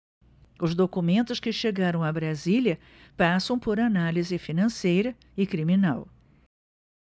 os documentos que chegaram a brasília passam por análise financeira e criminal